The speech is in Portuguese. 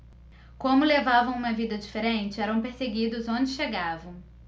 como levavam uma vida diferente eram perseguidos onde chegavam